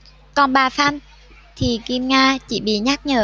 còn bà phan thị kim nga chỉ bị nhắc nhở